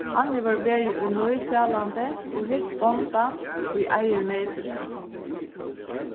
hann hevur verið í nýsælandi og hitt bóndan ið eigur neytini